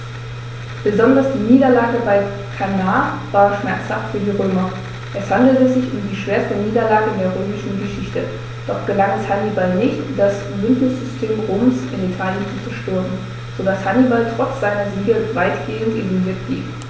Besonders die Niederlage bei Cannae war schmerzhaft für die Römer: Es handelte sich um die schwerste Niederlage in der römischen Geschichte, doch gelang es Hannibal nicht, das Bündnissystem Roms in Italien zu zerstören, sodass Hannibal trotz seiner Siege weitgehend isoliert blieb.